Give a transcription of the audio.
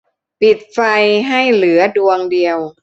ปิดไฟให้เหลือดวงเดียว